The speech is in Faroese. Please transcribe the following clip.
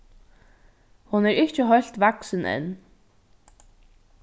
hon er ikki heilt vaksin enn